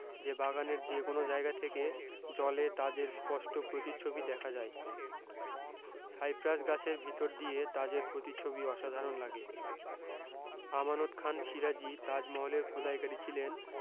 যে বাগানের যে কোনো জায়গা থেকে জলে তাজের স্পষ্ট প্রতিচ্ছবি দেখা যায় সাইপ্রাস গাছের ভিতর দিয়ে তাজের প্রতিচ্ছবি অসাধারণ লাগে আমানত খান সিরাজি তাজ মহলের খোদাইকারী ছিলেন